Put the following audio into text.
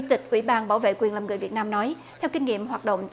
chủ tịch ủy ban bảo vệ quyền làm người của việt nam nói theo kinh nghiệm hoạt động